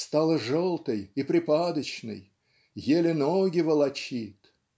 стала желтой и припадочной еле ноги волочит"